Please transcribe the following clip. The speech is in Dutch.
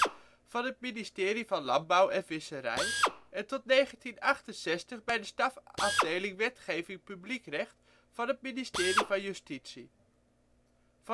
van het ministerie van Landbouw en Visserij en tot 1968 bij de stafafdeling wetgeving publiekrecht van het ministerie van Justitie. Van